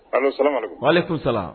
Allo salamu aleyikumu, walekumusala